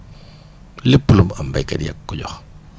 lépp lu mu am béykat yee ko ko jox